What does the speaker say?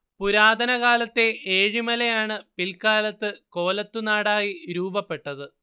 പുരാതന കാലത്തെ ഏഴിമലയാണ് പിൽക്കാലത്ത് കോലത്തുനാടായി രൂപപ്പെട്ടത്